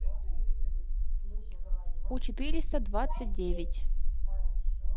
у четыреста двадцать девять